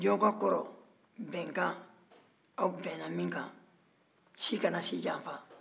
jɔnka kɔrɔ bɛnkan aw bɛnna min kan si kana si janfa